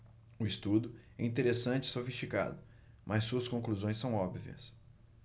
o estudo é interessante e sofisticado mas suas conclusões são óbvias